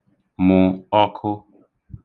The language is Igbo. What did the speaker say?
mụ̀ ọkụ